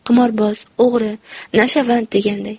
qimorboz o'g'ri nashavand deganday